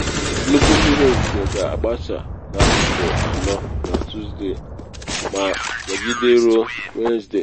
Nnukwu mmiri ozizo ga-agbasa na Akụkụ Anọ na Tusde ma nọgide ruo Wenesde.